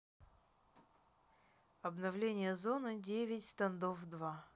обновление зона девять standoff два